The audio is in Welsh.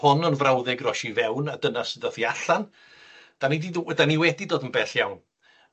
hwn yn frawddeg ros i fewn a dyna sud dath 'i allan 'dan ni 'di do- 'dan ni wedi dod yn bell iawn.